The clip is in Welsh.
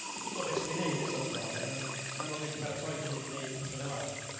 Dwi'm yn gwybod be 'swn i'n wneud eto, ti gwbo, mae o'n... yn amlwg, rhaid i ti baratoi dy hun i wneud pethau fela.